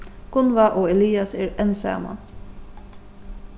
gunnvá og elias eru enn saman